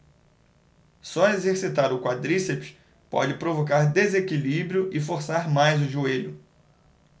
só exercitar o quadríceps pode provocar desequilíbrio e forçar mais o joelho